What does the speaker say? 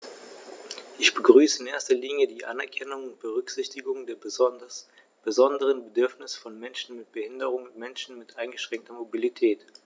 Ich begrüße in erster Linie die Anerkennung und Berücksichtigung der besonderen Bedürfnisse von Menschen mit Behinderung und Menschen mit eingeschränkter Mobilität.